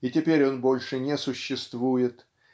и теперь он больше не существует